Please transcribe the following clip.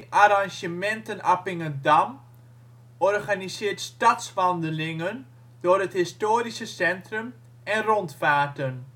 Arrangementen Appingedam organiseert stadswandelingen door het historische centrum en rondvaarten